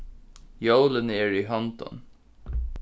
jólini eru í hondum